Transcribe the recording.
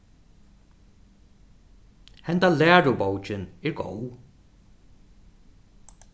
henda lærubókin er góð